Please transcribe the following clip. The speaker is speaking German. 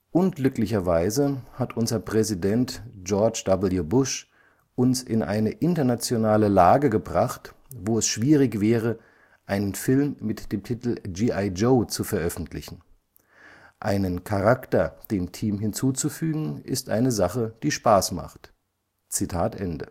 Unglücklicherweise hat unser Präsident [George W. Bush] uns in eine internationale Lage gebracht, wo es schwierig wäre, einen Film mit dem Titel G.I. Joe zu veröffentlichen. Einen Charakter dem Team hinzuzufügen ist eine Sache, die Spaß macht. “Im